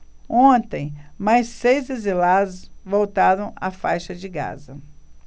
ontem mais seis exilados voltaram à faixa de gaza